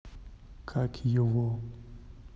как его